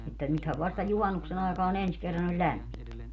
että nythän vasta juhannuksen aikaan ensi kerran oli lämmintä